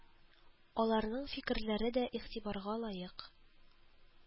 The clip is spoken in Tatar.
Аларның фикерләре дә игътибарга лаек